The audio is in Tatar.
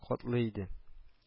Катлы иде